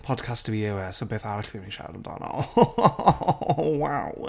Podcast fi yw e, so beth arall fi'n mynd i siarad amdano. Waw.